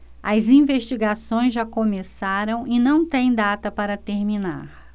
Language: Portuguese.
as investigações já começaram e não têm data para terminar